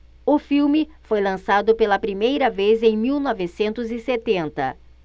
o filme foi lançado pela primeira vez em mil novecentos e setenta